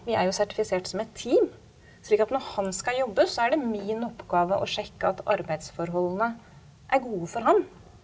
vi er jo sertifisert som et team, slik at når han skal jobbe så er det min oppgave å sjekke at arbeidsforholdene er gode for han.